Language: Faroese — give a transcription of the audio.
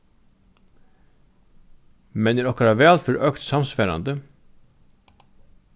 men er okkara vælferð økt samsvarandi